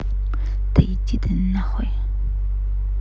да иди ты нахуй